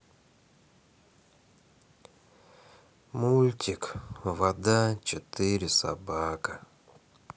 мультик вода четыре собака